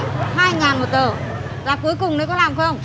hai ngàn một tờ giá cuối cùng đấy có làm không